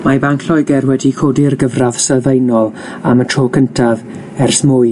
Mae Banc Lloeger wedi codi'r gyfradd sylfaenol am y tro cyntaf ers mwy